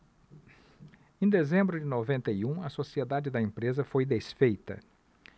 em dezembro de noventa e um a sociedade da empresa foi desfeita